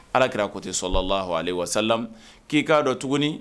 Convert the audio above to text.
Alakira ko ten k'i k'a dɔn tuguni